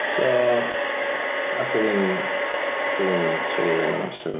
So wnaeth o ddim, wnaeth o ddim trafeilio mewn amser.